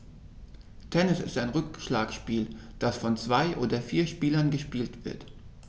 Tennis ist ein Rückschlagspiel, das von zwei oder vier Spielern gespielt wird.